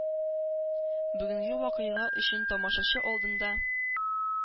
Бүгенге вакыйга өчен тамашачы алдында